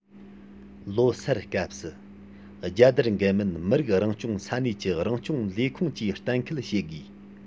ལོ སར སྐབས སུ རྒྱལ དར འགེལ མིན མི རིགས རང སྐྱོང ས གནས ཀྱི རང སྐྱོང ལས ཁུངས ཀྱིས གཏན ཁེལ བྱེད དགོས